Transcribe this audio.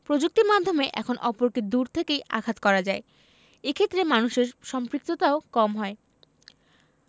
প্রযুক্তির মাধ্যমে এখন অপরকে দূর থেকেই আঘাত করা যায় এ ক্ষেত্রে মানুষের সম্পৃক্ততাও কম হয়